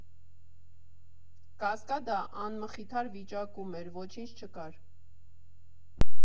Կասկադը անմխիթար վիճակում էր, ոչինչ չկար։